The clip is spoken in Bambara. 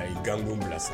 A y'i gankun bila